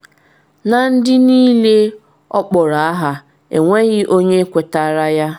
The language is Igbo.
“Na ndị niile ọkpọrọ aha enweghị onye kwetara ya.